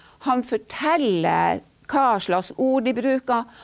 han forteller hva slags ord de bruker.